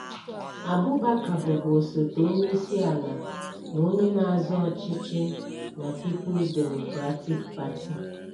Abubakar bụbu osote onye isi ala na onye na-azọ ọchịchị na People's Democratic Party.